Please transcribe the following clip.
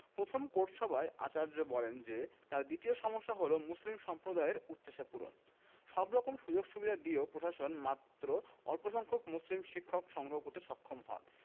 প্রথম কোর্ট সভায় আচার্য বলেন যে তাঁর দ্বিতীয় সমস্যা হলো মুসলিম সম্প্রদায়ের উচ্চাশা পূরণ সব রকম সুযোগসুবিধা দিয়েও প্রশাসন মাত্র অল্পসংখ্যক মুসলিম শিক্ষক সংগ্রহ করতে সক্ষম হয়